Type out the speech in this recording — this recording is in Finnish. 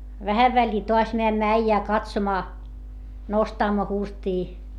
vähän väliin taas menemme äijää katsomaan nostamme hurstia